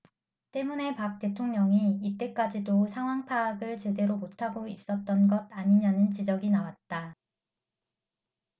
때문에 박 대통령이 이때까지도 상황 파악을 제대로 못하고 있었던 것 아니냐는 지적이 나왔다